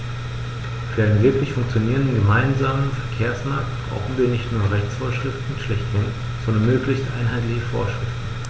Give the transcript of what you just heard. Für einen wirklich funktionierenden gemeinsamen Verkehrsmarkt brauchen wir nicht nur Rechtsvorschriften schlechthin, sondern möglichst einheitliche Vorschriften.